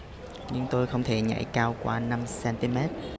nhưng tôi không thể nhảy cao quá năm xen ti mét